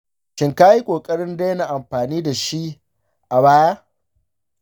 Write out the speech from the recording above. shin ka yi ƙoƙarin daina amfani da shi a baya?